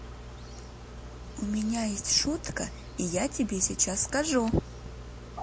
у меня есть шутка я тебе сейчас скажу